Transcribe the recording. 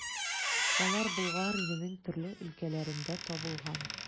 Алар Болгар иленең төрле өлкәләрендә табылган.